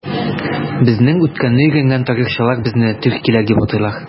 Безнең үткәнне өйрәнгән тарихчылар безне төркиләр дип атыйлар.